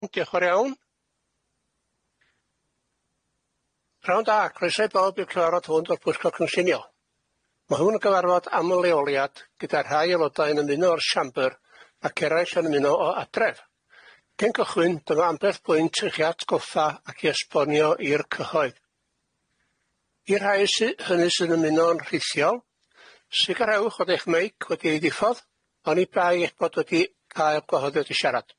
Dioch yn fawr iawn. P'nawn da, croeso i bawb i'r cyfarfod hwn 'fo pwyllgor cynllunio, mae hwn yn gyfarfod am leoliad gyda rhai aelodau yn ymuno o'r siambr ac eraill yn ymuno o adre'. Cyn cychwyn, dyma ambell bwynt i chi atgoffa a esbonio i'r cyhoedd i- i'r rhai hy- sy'n ymuno a ni yn rhithiol sicrhewch bod eich meic wedi ei ddiffodd oni bai bo' chi wedi cael gwahoddiad i siarad